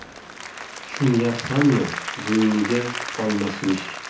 tushunyapsanmi bo'yniga olmasmish